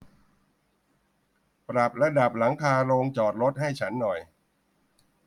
ปรับระดับหลังคาโรงจอดรถให้ฉันหน่อย